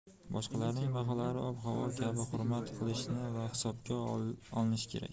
boshqalarning baholari ob havo kabi hurmat qilinishi va hisobga olinishi kerak